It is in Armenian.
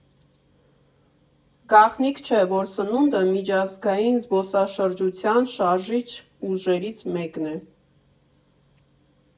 Գաղտնիք չէ, որ սնունդը միջազգային զբոսաշրջության շարժիչ ուժերից մեկն է։